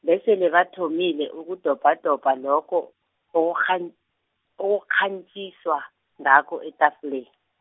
besele bathomile ukudobhadobha lokho, okukghan-, okukghantjhiswa ngakho etafuleni.